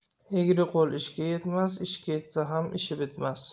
egri qo'l ishga yetmas ishga yetsa ham ishi bitmas